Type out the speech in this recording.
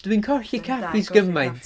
Dwi'n colli caffis gymaint.